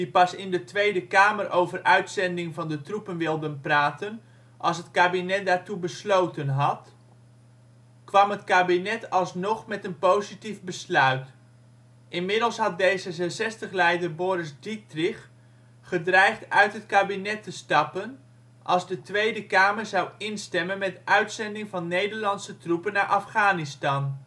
pas in de Tweede Kamer over uitzending van de troepen wilden praten als het kabinet daartoe besloten had, nam het kabinet daartoe besloten had, kwam het kabinet alsnog met een positief besluit. Inmiddels had D66-leider Boris Dittrich gedreigd uit het kabinet te stappen als de Tweede Kamer zou instemmen met uitzending van Nederlandse troepen naar Afghanistan